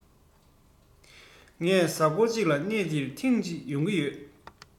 ངས གཟའ མཁོར ཅིག ལ གནས འདིར ཐེང ཅིག ཡོང གི ཡོད